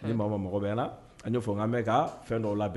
Ni maa mɔgɔ bɛ na f mɛn ka fɛn dɔ la bi